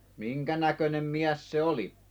minkä näköinen mies se oli